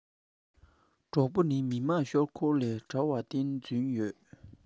གྲོགས པོ ནི མི དམངས ཤོག ལོར འདྲ བར བདེན རྫུན ཡོད